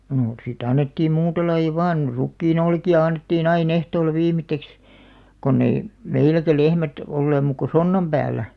no sitten annettiin muuta lajia vain rukiin olkia annettiin aina ehtoolla viimeiseksi kun ei meilläkään lehmät olleet muuta kuin sonnan päällä